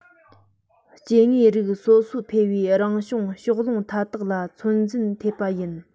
སྐྱེ དངོས རིགས སོ སོ འཕེལ བའི རང བྱུང ཕྱོགས ལྷུང མཐའ དག ལ ཚོད འཛིན ཐེབས པ ཡིན